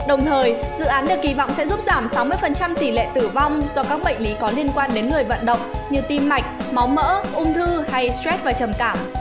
đồng thời dự án được kỳ vọng sẽ giúp giảm phần trăm tỷ lệ tử vong do các bệnh lý liên quan đến lười vận động như tim mạch máu mỡ ung thư hay stress và trầm cảm